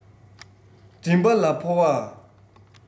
མགྲིན པ ལ ཕོ བ